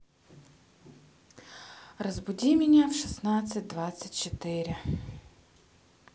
разбуди меня в шестнадцать двадцать четыре